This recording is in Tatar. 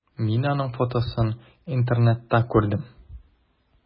Мин аның фотосын интернетта күрдем.